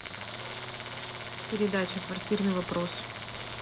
передача квартирный вопрос